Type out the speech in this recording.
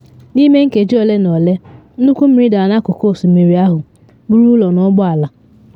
N’ime nkeji ole ma ole nnukwu mmiri dara n’akụkụ osimiri ahụ, buru ụlọ na ụgbọ ala.